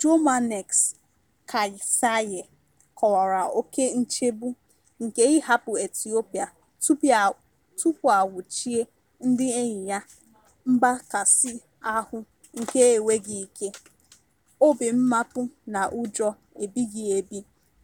Jomanex Kasaye kọwara oke nchegbu nke ịhapụ Ethiopia tupu a nwụchie ndị enyi ya — mgbakasị ahụ nke enweghị ike — obi mmapụ na ụjọ ebighị ebi